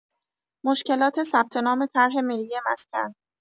مشکلات ثبت‌نام طرح ملی مسکن